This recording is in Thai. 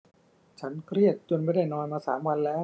ฉันเครียดจนไม่ได้นอนมาสามวันแล้ว